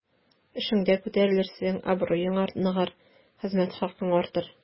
Эшеңдә күтәрелерсең, абруең ныгыр, хезмәт хакың артыр.